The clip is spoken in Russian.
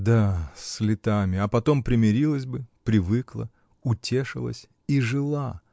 Да, с летами, а потом примирилась бы, привыкла, утешилась — и жила!